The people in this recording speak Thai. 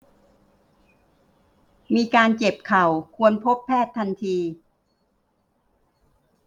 มีการเจ็บเข่าควรพบแพทย์ทันที